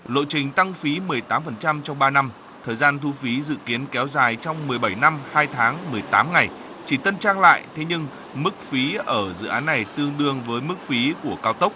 lộ trình tăng phí mười tám phần trăm cho ba năm thời gian thu phí dự kiến kéo dài trong mười bảy năm hai tháng mười tám ngày chỉ tân trang lại thế nhưng mức phí ở dự án này tương đương với mức phí của cao tốc